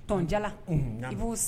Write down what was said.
Tɔnonja na